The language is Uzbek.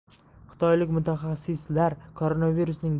xitoylik mutaxassislar koronavirusning